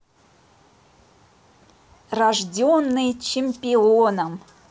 рожденный чемпионом